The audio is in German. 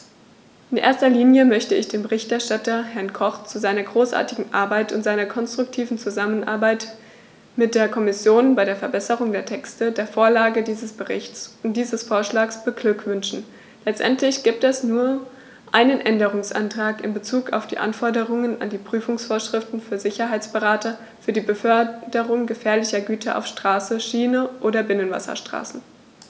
In erster Linie möchte ich den Berichterstatter, Herrn Koch, zu seiner großartigen Arbeit und seiner konstruktiven Zusammenarbeit mit der Kommission bei der Verbesserung der Texte, der Vorlage dieses Berichts und dieses Vorschlags beglückwünschen; letztendlich gibt es nur einen Änderungsantrag in bezug auf die Anforderungen an die Prüfungsvorschriften für Sicherheitsberater für die Beförderung gefährlicher Güter auf Straße, Schiene oder Binnenwasserstraßen.